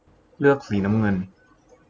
เลือกสีน้ำเงิน